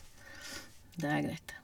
Det er greit.